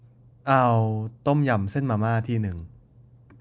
เอาต้มยำเส้นมาม่าชามนึง